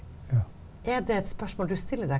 er det et spørsmål du stiller deg?